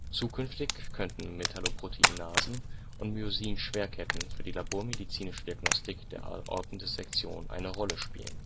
Zukünftig könnten Metalloproteinasen und Myosinschwerketten für die labormedizinische Diagnostik der Aortendissektion eine Rolle spielen